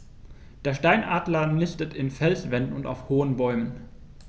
Der Steinadler nistet in Felswänden und auf hohen Bäumen.